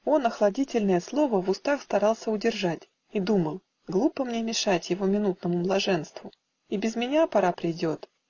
Он охладительное слово В устах старался удержать И думал: глупо мне мешать Его минутному блаженству И без меня пора придет